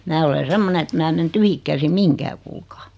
minä olen semmoinen että minä en mene tyhjin käsin mihinkään kuulkaa